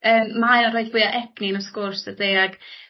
yym mae o rhoid fwy o egni mewn sgwrs dydi ag